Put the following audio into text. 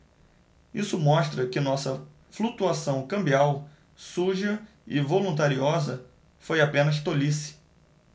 isso mostra que nossa flutuação cambial suja e voluntariosa foi apenas tolice